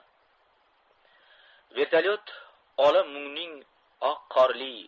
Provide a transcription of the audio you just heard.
vertolyot ola mo'nguning oq qorli